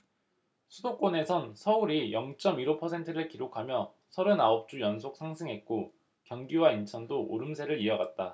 수도권에선 서울이 영 쩜 일 오 퍼센트를 기록하며 서른 아홉 주 연속 상승했고 경기와 인천도 오름세를 이어갔다